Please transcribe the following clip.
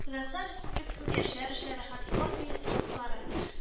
Татарстан Республикасының Яшләр эшләре һәм спорт министрлыклары